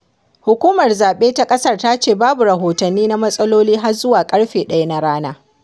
Hukumar zaɓe ta ƙasar ta ce babu rahotanni na matsaloli har zuwa ƙarfe 1 na rana.